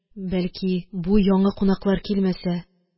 Бәлки, бу яңы кунаклар килмәсә,